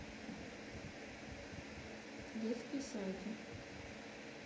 детские сайты